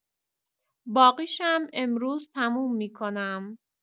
باقیشم امروز تموم می‌کنم.